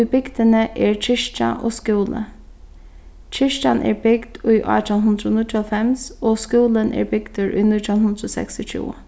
í bygdini er kirkja og skúli kirkjan er bygd í átjan hundrað og níggjuoghálvfems og skúlin er bygdur í nítjan hundrað og seksogtjúgu